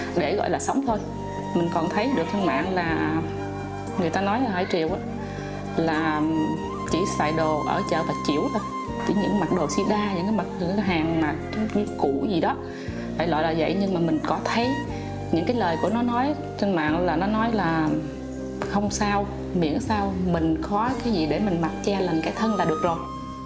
để gọi là sống thôi mình còn thấy được trên mạng là người ta nói là hải triều là chỉ xài đồ ở chợ bà chiểu thôi chỉ những mặc đồ si đa những cái mặc cửa hàng cũ gì đó đại loại là vậy nhưng mà mình có thấy những cái lời của nó nói trên mạng là nó nói là không sao miễn sao mình có cái gì để mình mặc che lần cái thân là được rồi